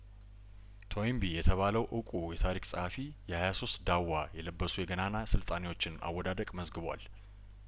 ቶይንቢ የተባለው እውቁ የታሪክ ጸሀፊ የሀያሶስት ዳዋ የለበሱ የገናና ስልጣኔዎችን አወዳደቅ መዝግቧል